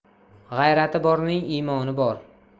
g'ayrati borning imoni bor